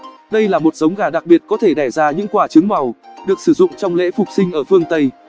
đây là một giống gà đặc biệt có thể đẻ ra những quả trứng màu được sử dụng trong lễ phục sinh ở phương tây